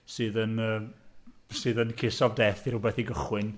Sydd yn yym... sydd yn kiss of death i rywbeth i gychwyn.